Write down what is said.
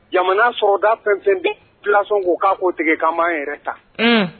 Jamanamana sɔrɔda fɛnfɛn kilasɔn ko k' koo tigɛ ka' yɛrɛ ta